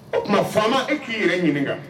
O maa faama e k'i yɛrɛ ɲininka